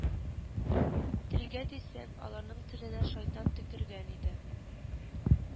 Телгә дисәң аларның теленә шайтан төкергән инде